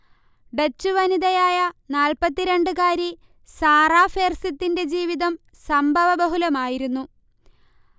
Dutch വനിതയായ നാൽപ്പത്തിരണ്ട് കാരി സാറാ ഫേർസിത്തിന്റെ ജീവിതം സംഭവബഹുലമായിരുന്നു